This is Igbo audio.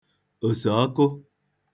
òsèọkụ